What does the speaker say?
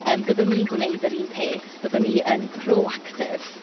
Yym byddwn i'n gwneud yr un peth, byddwn i yn proactive.